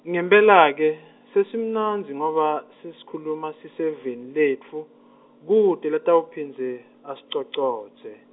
ngempela ke, sesimnandzi ngoba, sesikhuluma siseveni letfu, kute lotawuphindze, asicocodze.